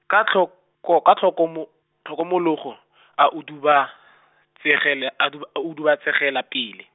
ka tlhoko-, ka tlhokomo-, tlhokomologo , a udubatsegele a duba-, udubatsegela pele.